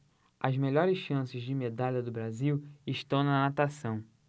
as melhores chances de medalha do brasil estão na natação